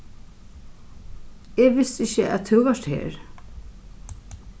eg visti ikki at tú vart her